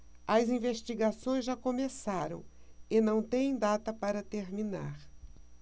as investigações já começaram e não têm data para terminar